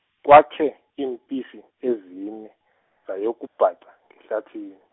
kwakhe, iimpisi ezine, zayokubhaqa ngehlathini.